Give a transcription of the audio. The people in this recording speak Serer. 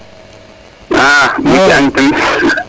a